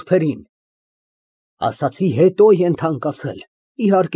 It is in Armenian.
Նա շփոթվեց, կարմրեց, կապվեց, բայց հերքել, իհարկե չկարողացավ։ Գնա պարահանդես, առավոտը, եթե կամենաս, կարող ես բոլորը կարդալ։